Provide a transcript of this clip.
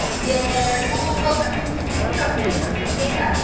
Ie. Ww wel, gallet ti steilio hi yn yr un gaeaf.